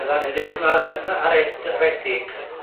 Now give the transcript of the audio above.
o'ddan ni ddim yn are- red- redig.